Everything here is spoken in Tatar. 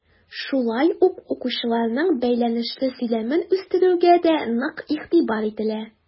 Шулай ук укучыларның бәйләнешле сөйләмен үстерүгә дә нык игътибар ителә.